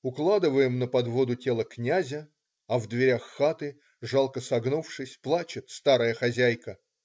Укладываем на подводу тело князя, а в дверях хаты, жалко согнувшись, плачет старая хозяйка.